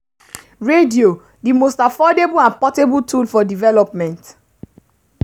Radio — the most affordable and portable tool for development